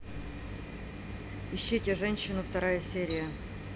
ищите женщину вторая серия